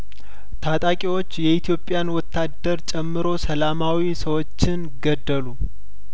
ታጣቂዎች የኢትዮጵያን ወታደር ጨምሮ ሰላማዊ ሰዎችን ገደሉ